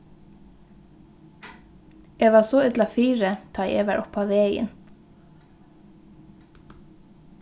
eg var so illa fyri tá eg var upp á vegin